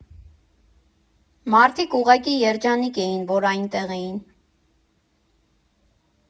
Մարդիկ ուղղակի երջանիկ էին, որ այնտեղ էին։